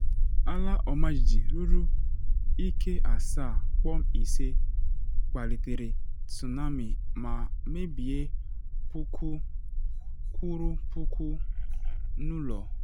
Ala ọmajiji ruru ike 7.5 kpalitere tsunami ma mebie puku kwụrụ puku n’ụlọ.